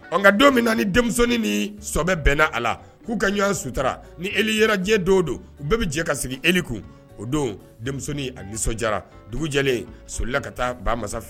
Ɔ ka don min na denmisɛnnin ni sɔbɛ bɛnna a la k'u ka ɲɔgɔnwan sutura ni e yɛrɛjɛ dɔw don u bɛɛ bɛ jɛ ka sigi e kun o don denmisɛnnin a nisɔndiyara dugujɛlen sola ka taa banmasa